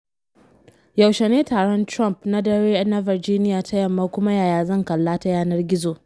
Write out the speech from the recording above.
Yaushe ne taron Trump na dare na Virginia ta Yamma kuma yaya zan kalla ta yanar gizo?